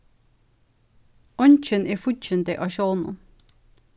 eingin er fíggindi á sjónum